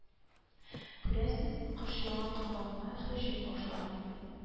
Күрәсең кош яңа корбанына һөҗүм башлаган иде